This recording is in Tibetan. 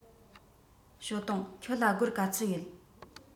ཞའོ ཏུང ཁྱོད ལ སྒོར ག ཚོད ཡོད